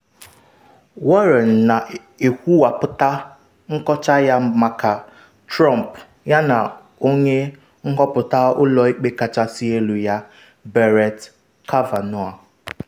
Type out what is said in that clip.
Warren na-ekwuwapụta nkọcha ya maka Trump yana onye nhọpụta Ụlọ Ikpe Kachasị Elu ya, Brett Kavanaugh.